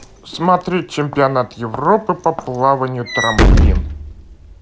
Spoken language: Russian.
смотреть чемпионат европы по плаванию трамплин